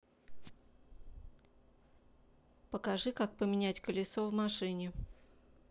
покажи как поменять колесо в машине